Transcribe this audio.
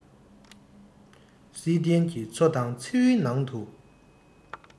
བསིལ ལྡན གྱི མཚོ དང མཚེའུ ནང དུ